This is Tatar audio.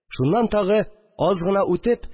Шуннан тагы аз гына үтеп